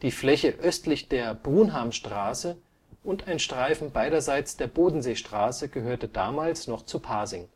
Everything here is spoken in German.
Fläche östlich der Brunhamstraße und ein Streifen beiderseits der Bodenseestraße gehörte damals noch zu Pasing